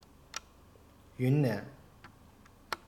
ཡུན ནན